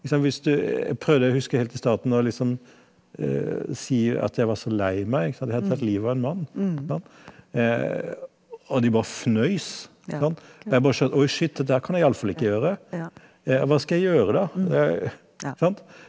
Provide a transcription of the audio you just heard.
liksom hvis du prøvde jeg å huske helt i starten når jeg liksom si at jeg var så lei meg ikke sant, jeg hadde tatt livet av en mann sant og de bare fnøs ikke sant og jeg bare skjønte oi skitt, det der kan jeg i alle fall ikke gjøre, jeg hva skal jeg gjøre da sant.